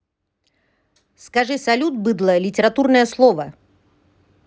скажи салют быдло литературное слово